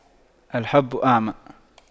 الحب أعمى